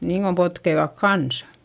niin kun potkivat kanssa